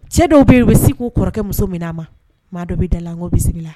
Cɛ dɔw bɛ yen u bɛ se' kɔrɔkɛ muso min a ma maa dɔ bɛ da la n ko bɛ sigi